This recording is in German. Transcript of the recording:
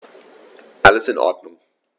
Alles in Ordnung.